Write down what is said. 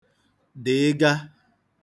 dị̀ịga